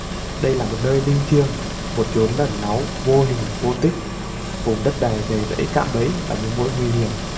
đây là một nơi linh thiêng một chốn náu mình vô hình vô tích vùng đất này đầy rẫy cạm bẫy và những mối hiểm nguy